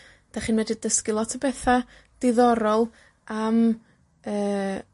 'Dach chi'n medru dysgu lot o betha diddorol am, yy,